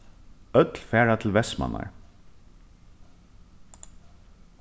øll fara til vestmannar